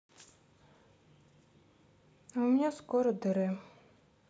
у меня скоро др